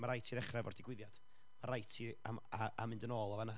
ma' raid i ti ddechra efo'r digwyddiad, ma' raid ti, a a a mynd yn ôl o fanna.